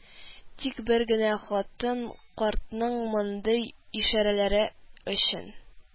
Тик бер генә хатын картның мондый ишарәләре өчен: